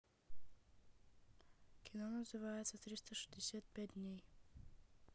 кино называется триста шестьдесят пять дней